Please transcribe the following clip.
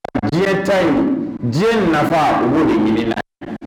Diɲɛ ta ɲi diɲɛ nafa b de ɲini na